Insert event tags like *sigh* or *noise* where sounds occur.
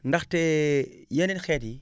ndaxte *hesitation* yeneen xeet yi